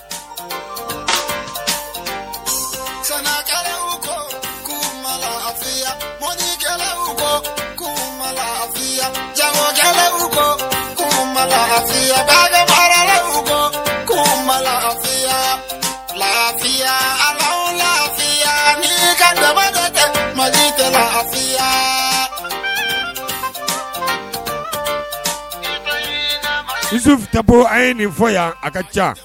Sankɛla ko kunmaya mɔ ko kunmaya jamakɛ ko kunmayakumakumalaku ko kunmayafilayalaya ja makɛlalaya sunjata tɛbo a ye nin fɔ yan a ka ca